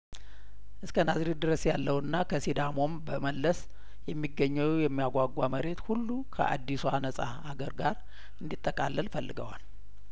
እስከ ናዝሬት ድረስ ያለውና ከሲዳሞም በመለስ የሚገኘው የሚያጓጓ መሬት ሁሉ ከአዲስዋ ነጻ አገር ጋር እንዲጠቃለል ፈልገዋል